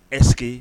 Est ce que